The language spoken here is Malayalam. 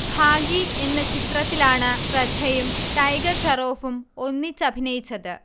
ഭാഗി എന്ന ചിത്രത്തിലാണ് ശ്രദ്ധയും ടൈഗർ ഷറോഫും ഒന്നിച്ചഭിനയിച്ചത്